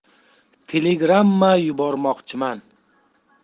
telegramma yubormoqchiman